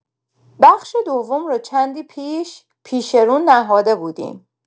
بخش دوم را چندی پیش، پیش‌رو نهاده بودیم.